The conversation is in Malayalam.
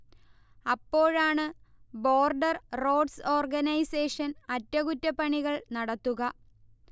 അപ്പോഴാണ് ബോർഡർ റോഡ്സ് ഓർഗനൈസേഷൻ അറ്റകുറ്റപ്പണികൾ നടത്തുക